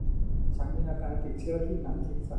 ฉันมีอาการติดเชื้อที่หนังศีรษะ